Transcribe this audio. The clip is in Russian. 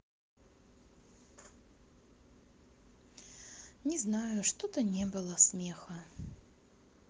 не знаю что то не было смеха